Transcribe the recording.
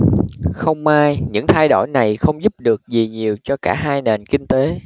không may những thay đổi này không giúp được gì nhiều cho cả hai nền kinh tế